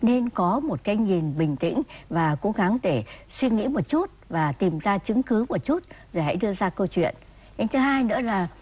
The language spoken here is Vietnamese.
nên có một cái nhìn bình tĩnh và cố gắng để suy nghĩ một chút và tìm ra chứng cứ một chút rồi hãy đưa ra câu chuyện ý thứ hai nữa là